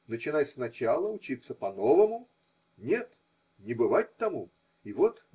Начинай сначала учиться по-новому? Нет, не бывать тому! И вот.